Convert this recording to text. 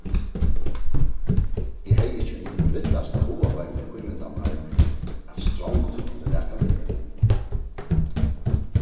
eg hevði ikki í mínum villasta hugaheimi ímyndað mær at strongd kundi rakað meg